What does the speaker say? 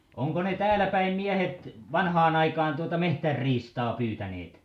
onko ne täällä päin miehet vanhaan aikaan tuota metsäriistaa pyytäneet